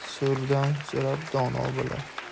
so'rab so'rab dono bo'lar